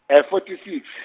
e- fourty six.